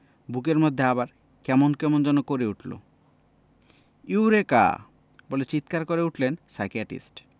বুকের মধ্যে আবার কেমন কেমন যেন করে উঠল ‘ইউরেকা বলে চিৎকার করে উঠলেন সাইকিয়াট্রিস্ট